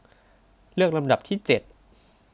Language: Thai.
เลือกลำดับที่เจ็ด